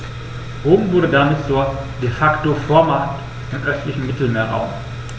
Rom wurde damit zur ‚De-Facto-Vormacht‘ im östlichen Mittelmeerraum.